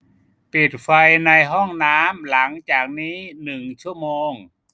ปิดไฟในห้องน้ำหลังจากนี้หนึ่งชั่วโมง